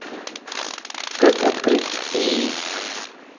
как открыть иис